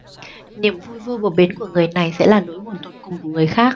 niềm vui vô bờ bến của người này sẽ là nỗi buồn tột cùng của người khác